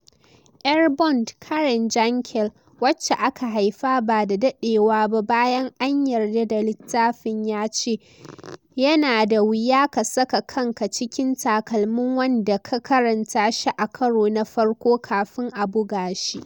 ‘yar Bond, Karen Jankel, wacca aka haifa ba da daɗewa ba bayan an yarda da littafin, ya ce: "Yana da wuya ka saka kanka cikin takalmin wanda ya karanta shi a karo na farko kafin a buga shi.